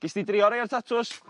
Ges di drio rai o'r tatws?